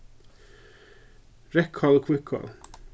reyðkál og hvítkál